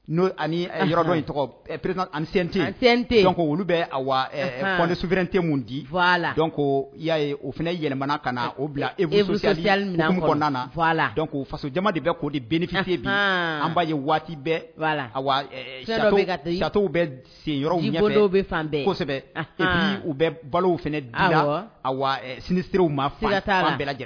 Yɔrɔ tɔgɔ pperetete olu bɛ pɔnsifite min di la o fana yɛlɛmana ka na o bila e la faso jama de bɛ'o de binfiti an b'a ye waati bɛɛ law bɛ sen yɔrɔ bɛ fan kosɛbɛ u bɛ balow fana dilan sinisew ma fo bɛɛ